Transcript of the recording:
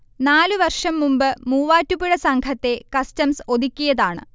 നാലു വർഷം മുമ്പ് മൂവാറ്റുപുഴ സംഘത്തെ കസ്റ്റംസ് ഒതുക്കിയതാണ്